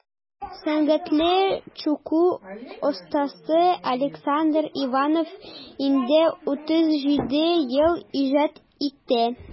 Сәнгатьле чүкү остасы Александр Иванов инде 37 ел иҗат итә.